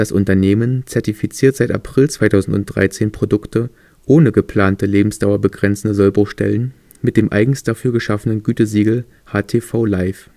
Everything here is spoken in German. Unternehmen zertifiziert seit April 2013 Produkte ohne „ geplante, lebensdauerbegrenzende Sollbruchstellen “mit dem eigens dafür geschaffenen Gütesiegel HTV-life